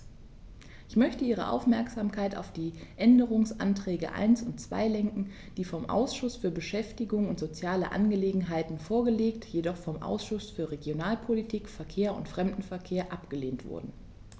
Ich möchte Ihre Aufmerksamkeit auf die Änderungsanträge 1 und 2 lenken, die vom Ausschuss für Beschäftigung und soziale Angelegenheiten vorgelegt, jedoch vom Ausschuss für Regionalpolitik, Verkehr und Fremdenverkehr abgelehnt wurden.